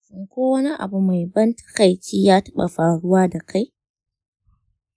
shin ko wani abu mai ban takaici ya taba faruwa da kai?